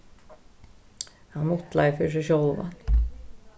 hann mutlaði fyri seg sjálvan